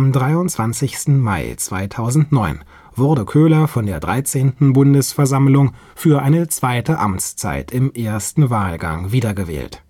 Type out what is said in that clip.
23. Mai 2009 wurde Köhler von der 13. Bundesversammlung für eine zweite Amtszeit im ersten Wahlgang wiedergewählt